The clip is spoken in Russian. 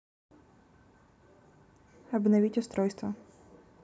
обновить устройство